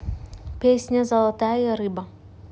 песня золотая рыбка